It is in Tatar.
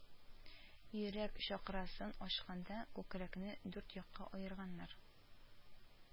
Йөрәк чакрасын ачканда күкрәкне дүрт якка аерганнар